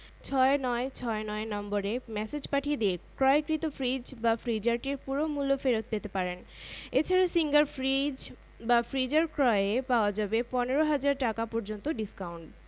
সংগৃহীত দৈনিক ইত্তেফাক ১০ই আশ্বিন ১৩৮৮ বঙ্গাব্দ পৃষ্ঠা ১